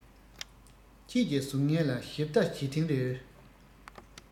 ཁྱེད ཀྱི གཟུགས བརྙན ལ ཞིབ ལྟ བྱེད ཐེངས རེར